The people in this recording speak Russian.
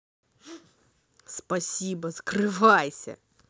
спасибо закрывайся